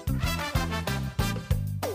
San yo